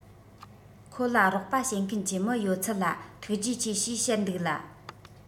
ཁོ ལ རོགས པ བྱེད མཁན གྱི མི ཡོད ཚད ལ ཐུགས རྗེ ཆེ ཞེས བཤད འདུག ལ